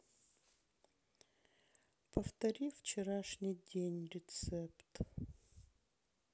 повтори вчерашний день рецепт